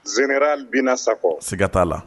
Zeera bin sakɔ siga t'a la